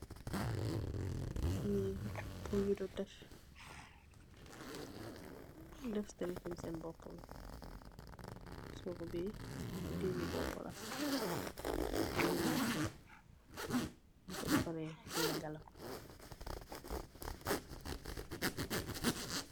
Dewu buu jigeeni di jehfandey ko purr cen bopaa bi.